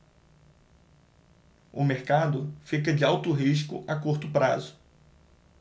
o mercado fica de alto risco a curto prazo